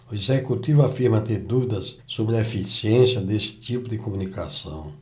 o executivo afirma ter dúvidas sobre a eficiência desse tipo de comunicação